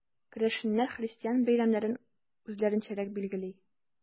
Керәшеннәр христиан бәйрәмнәрен үзләренчәрәк билгели.